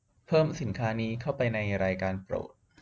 เพิ่มสินค้านี้เข้าไปในรายการโปรด